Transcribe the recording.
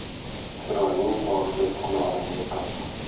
chiroying borida chinoringni top